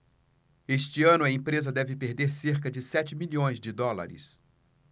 este ano a empresa deve perder cerca de sete milhões de dólares